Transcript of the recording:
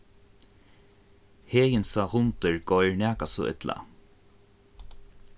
heðinsa hundur goyr nakað so illa